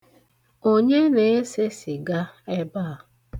Onye na-ese sịga ebe a?